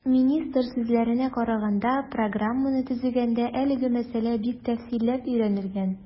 Министр сүзләренә караганда, программаны төзегәндә әлеге мәсьәлә бик тәфсилләп өйрәнелгән.